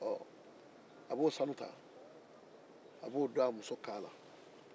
a b'o sanu ta k'o don a muso kan